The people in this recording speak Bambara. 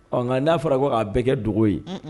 Ɔ nka n'a fɔra ko a bɛ kɛ dogo ye